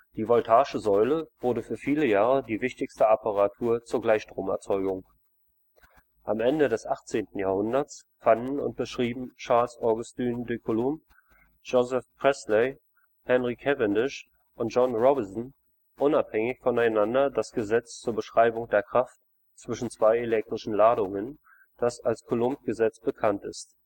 Die Voltasche Säule wurde für viele Jahre die wichtigste Apparatur zur Gleichstromerzeugung. Am Ende des 18. Jahrhunderts fanden und beschrieben Charles Augustin de Coulomb, Joseph Priestley, Henry Cavendish und John Robison unabhängig voneinander das Gesetz zur Beschreibung der Kraft zwischen zwei elektrischen Ladungen, das als Coulomb-Gesetz bekannt ist